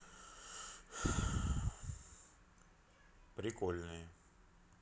прикольные